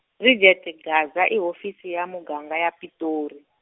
Bridget Gasa i hofisi ya muganga ya Pitori.